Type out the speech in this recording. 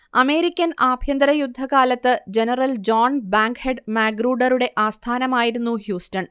American ആഭ്യന്തരയുദ്ധകാലത്ത് general John Bankhead മാഗ്രൂഡറുടെ ആസ്ഥാനമായിരുന്നു ഹ്യൂസ്റ്റൺ